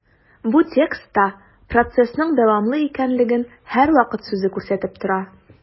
Бу текстта процессның дәвамлы икәнлеген «һәрвакыт» сүзе күрсәтеп тора.